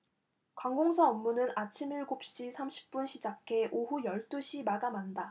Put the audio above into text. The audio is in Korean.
관공서 업무는 아침 일곱 시 삼십 분 시작해 오후 열 두 시 마감한다